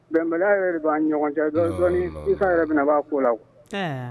Bɛnbaliya yɛrɛ b'a ɲɔgɔn cɛ i yɛrɛ minɛ b'a ko la